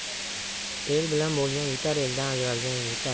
el bilan bo'lgan yutar eldan ajralgan yitar